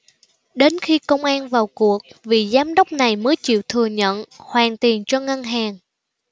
đến khi công an vào cuộc vị giám đốc này mới chịu thừa nhận hoàn tiền cho ngân hàng